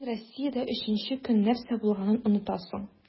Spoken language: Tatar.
Син Россиядә өченче көн нәрсә булганын онытасың.